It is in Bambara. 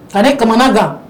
Ka nemana kan